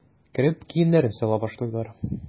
Кереп киемнәрен сала башлыйлар.